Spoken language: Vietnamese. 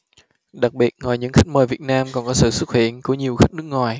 đặc biệt ngoài những khách mời việt nam còn có sự xuất hiện của nhiều khách nước ngoài